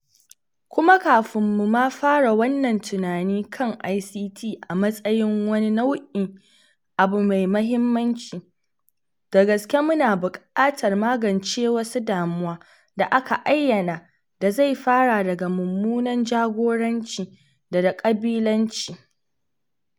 Kuma kafin mu ma fara wannan tunani kan ICT a matsayin wani nau’in “abu mai mahimmanci,” da gaske muna buƙatar magance wasu damuwa da aka ayyana, da zai fara daga mummunan jagoranci da da ƙabilanci.”